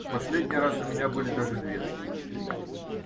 В последний раз у меня были даже две такие встречи.